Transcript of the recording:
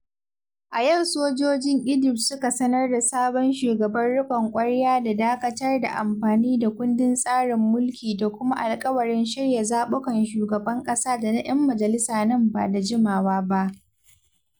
A yau sojojin Egypt suka sanar da sabon shugaban riƙon ƙwarya da dakatar da amfani da kundin tsarin mulki da kuma alƙawarin shirya zaɓukan Shugaban ƙasa da na 'yan majalisa nan ba da jimawa ba